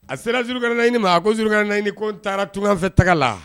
A sera suruurunkaranaɲini ma a ko suruurunkararɛnnaɲini ko n taara tungafɛ taga la